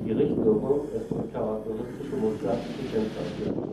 Richtwirkung ist durch charakteristische Muster gekennzeichnet